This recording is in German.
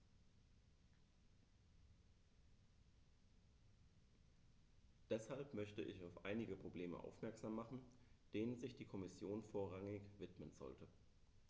Deshalb möchte ich auf einige Probleme aufmerksam machen, denen sich die Kommission vorrangig widmen sollte.